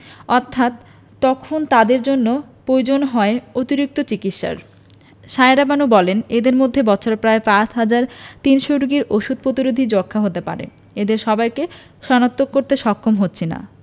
অর্থাৎ তখন তাদের জন্য প্রয়োজন হয় অতিরিক্ত চিকিৎসার সায়েরা বানু বলেন এদের মধ্যে বছরে প্রায় ৫ হাজার ৩০০ রোগীর ওষুধ প্রতিরোধী যক্ষ্মা হতে পারে এদের সবাইকে শনাক্ত করতে সক্ষম হচ্ছি না